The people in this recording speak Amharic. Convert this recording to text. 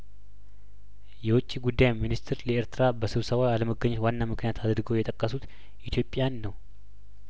የውጪ ጉዱይ ሚኒስትር ለኤርትራ በስብሰባው አለመገኘት ዋና ምክንያት አድርገው የጠቀሱት ኢትዮጵያን ነው